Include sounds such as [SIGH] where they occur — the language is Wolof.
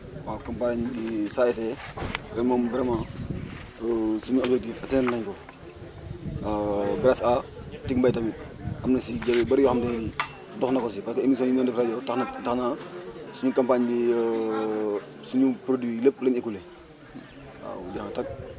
waaw campagne bi ça été [NOISE] ren moom vraiment [HESITATION] sunu objectif atteindre nañ ko [CROSSTALK] [HESITATION] grâce à Ticmbay tamit am na si jéego yu bëri yoo xamante ne nii [NOISE] dox na ko si parce que émission yi ñu doon def rajo tax tax na suñu campagne bi [HESITATION] suñu produit lépp la ñu écoulé waaw jeex na tàkk